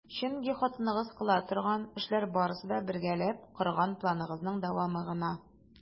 Чөнки хатыныгыз кыла торган эшләр барысы да - бергәләп корган планыгызның дәвамы гына!